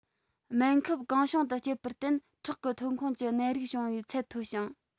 སྨན ཁབ གང བྱུང དུ སྤྱད པར བརྟེན ཁྲག གི ཐོན ཁུངས ཀྱི ནད རིགས བྱུང བའི ཚད མཐོ ཞིང